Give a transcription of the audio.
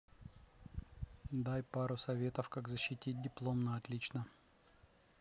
дай пару советов как защитить диплом на отлично